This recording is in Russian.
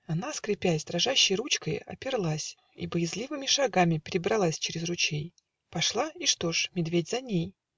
она скрепясь Дрожащей ручкой оперлась И боязливыми шагами Перебралась через ручей Пошла - и что ж? медведь за ней!